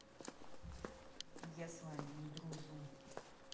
я с вами не дружу